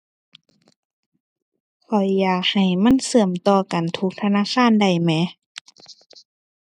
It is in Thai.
ข้อยอยากให้มันเชื่อมต่อกันทุกธนาคารได้แหม